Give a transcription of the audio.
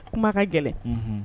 Kuma ka gɛlɛn